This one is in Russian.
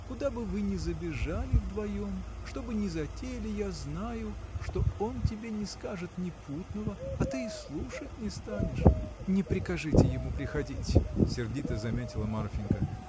Куда бы вы ни забежали вдвоем, что бы ни затеяли, я знаю, что он тебе не скажет непутного, а ты и слушать не станешь. — Не прикажите ему приходить! — сердито заметила Марфинька.